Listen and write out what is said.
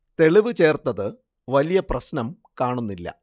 തെളിവ് ചേർത്തത് വലിയ പ്രശ്നം കാണുന്നില്ല